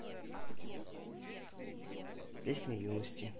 песня юности